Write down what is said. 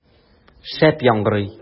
Шәп яңгырый!